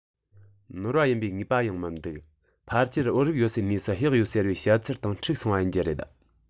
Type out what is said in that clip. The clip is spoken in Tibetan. ནོར བ ཡིན པའི ངེས པ ཡང མི འདུག ཕལ ཆེར བོད རིགས ཡོད པའི གནས སུ གཡག ཡོད ཟེར བའི བཤད ཚུལ དང འཁྲུག སོང བ ཡིན རྒྱུ རེད